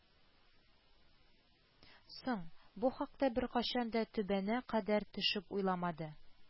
Соң, бу хакта беркайчан да төбәнә кадәр төшеп уйламады